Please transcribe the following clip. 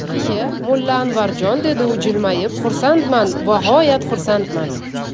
ie mulla anvarjon dedi u jilmayib xursandman bag'oyat xursandman